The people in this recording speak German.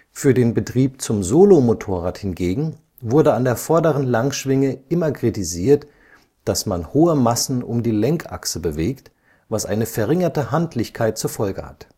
Für den Betrieb zum Solo-Motorrad hingegen wurde an der vorderen Langschwinge immer kritisiert, dass man hohe Massen um die Lenkachse bewegt, was eine verringerte Handlichkeit zur Folge hat